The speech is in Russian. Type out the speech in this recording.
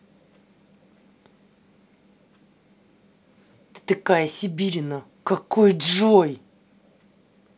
ты такая сибирина какой джой